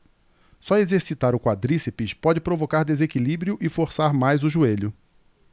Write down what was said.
só exercitar o quadríceps pode provocar desequilíbrio e forçar mais o joelho